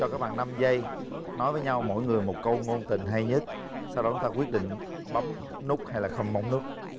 cho các bạn năm giây nói với nhau mỗi người một câu ngôn tình hay nhất sau đó chúng ta quyết định bấm nút hay là không bấm nút